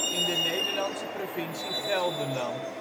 in de Nederlandse provincie Gelderland